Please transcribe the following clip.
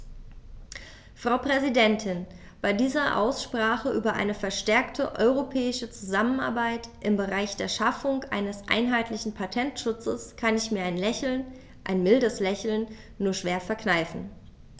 Frau Präsidentin, bei dieser Aussprache über eine verstärkte europäische Zusammenarbeit im Bereich der Schaffung eines einheitlichen Patentschutzes kann ich mir ein Lächeln - ein mildes Lächeln - nur schwer verkneifen.